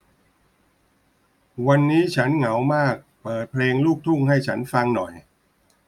วันนี้ฉันเหงามากเปิดเพลงลูกทุ่งให้ฉันฟังหน่อย